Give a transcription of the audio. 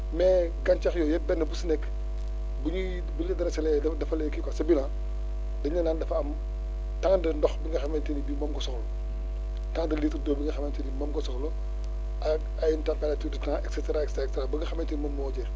mais gàncax yooyu yëpp benn bu si nekk bu ñuy bu ñu la dresser defal defal la kii quoi sa bilan dañ la naan dafa am tant de ndox bi nga xamante ne bii moom nga soxla tant :ra de litre d' bi nga xamante ni moom nga soxla à une à une température de clan et cetera et cetera ba nga xamante ni moom moo jeex